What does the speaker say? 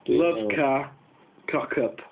Love car cock up.